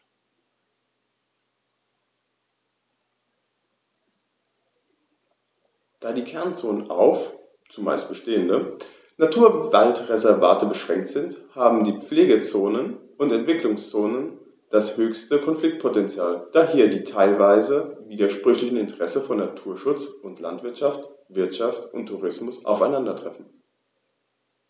Da die Kernzonen auf – zumeist bestehende – Naturwaldreservate beschränkt sind, haben die Pflegezonen und Entwicklungszonen das höchste Konfliktpotential, da hier die teilweise widersprüchlichen Interessen von Naturschutz und Landwirtschaft, Wirtschaft und Tourismus aufeinandertreffen.